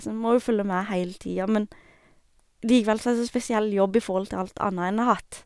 Så en må jo følge med heile tida, men likevel så er det så spesiell jobb i forhold til alt anna en har hatt.